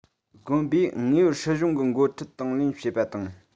དགོན པས ངེས པར སྲིད གཞུང གི འགོ ཁྲིད དང ལེན བྱེད པ དང